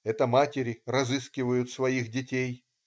Это матери разыскивают своих детей.